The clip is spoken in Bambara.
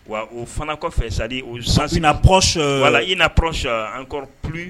Wa o fana kɔfɛ c'est à dire que o ye chance une approche . Voilà une approche encore plus